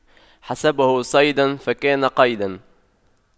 حسبه صيدا فكان قيدا